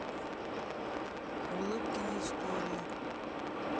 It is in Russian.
улыбкина история